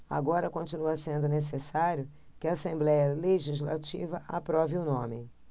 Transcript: agora continua sendo necessário que a assembléia legislativa aprove o nome